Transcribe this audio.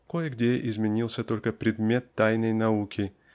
Кое-где изменился только предмет тайной науки